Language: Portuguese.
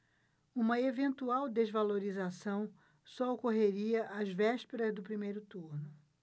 uma eventual desvalorização só ocorreria às vésperas do primeiro turno